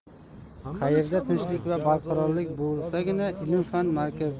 qayerda tinchlik va barqarorlik bo'lsagina ilm fan